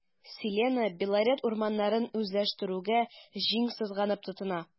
“селена” белорет урманнарын үзләштерүгә җиң сызганып тотына.